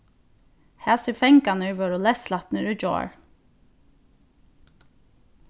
hasir fangarnir vórðu leyslatnir í gjár